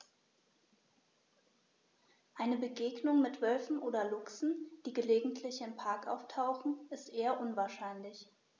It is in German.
Eine Begegnung mit Wölfen oder Luchsen, die gelegentlich im Park auftauchen, ist eher unwahrscheinlich.